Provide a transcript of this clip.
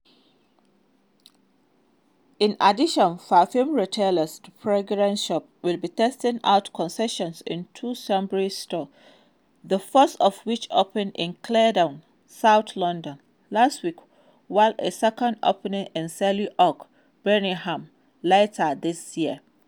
In addition, perfume retailer the Fragrance Shop will be testing out concessions in two Sainsbury's stores, the first of which opened in Croydon, south London, last week while a second opens in Selly Oak, Birmingham, later this year.